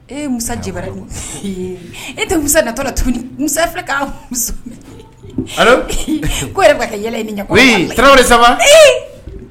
E Musa jebarani, e ɲɛ tɛ Musa natɔ tuguni, Musa filɛ ka n allo ko yɛrɛ bɛ ka kɛ yɛlɛ ni ɲɛ kɔrɔ oui tarawere ça va?